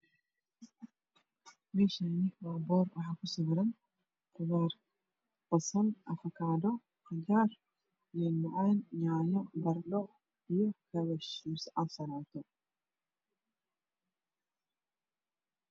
Meshaani waa boor waxaa ku sawiran qudar basal afgaadho qajaar liin macan baradho yan yo iyo kabasha mise an salaato